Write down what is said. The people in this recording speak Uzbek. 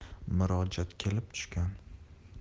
murojaat kelib tushgan